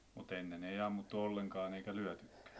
mutta ennen ei ammuttu ollenkaan eikä lyötykään